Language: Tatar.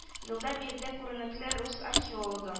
Елда биредә күренекле рус археологы